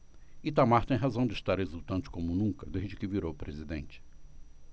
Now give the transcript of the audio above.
itamar tem razão de estar exultante como nunca desde que virou presidente